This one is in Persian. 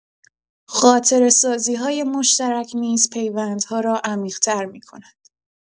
خاطره‌سازی‌های مشترک نیز پیوندها را عمیق‌تر می‌کند؛